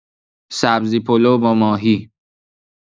سبزی‌پلو با ماهی.